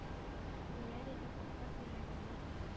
Үләр идем аклап йөрәгемнең